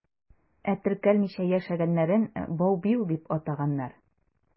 Ә теркәлмичә яшәгәннәрен «баубил» дип атаганнар.